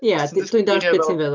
Ie, d- dwi'n dallt beth ti'n feddwl.